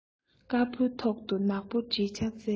དཀར པོའི ཐོག ཏུ ནག པོའི བྲིས ཆ གསལ